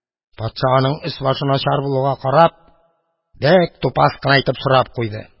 Патша, аның өс-башы начар булуга карап, бик тупас кына итеп сорап куйды: